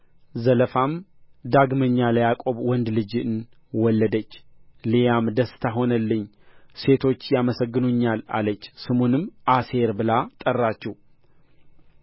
ዘለፋም ዳግመኛ ለያዕቆብ ወንድ ልጅን ወለደች ልያም ደስታ ሆነልኝ ሴቶች ያመሰግኑኛልና አለች ስሙንም አሴር ብላ ጠራችው